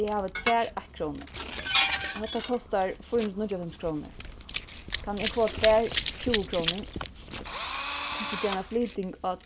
eg havi tvær eittkrónur hatta kostar fýra hundrað og níggjuoghálvfems krónur kann eg fáa tvær tjúgukrónur kanst tú gera eina flyting á